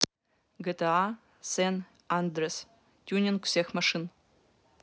gta san andreas тюнинга всех машин